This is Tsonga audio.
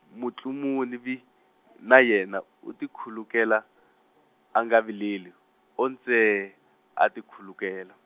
Mutlumuvi , na yena u tikhulukela , a nga vileli, o ntsee, a tikhulukela.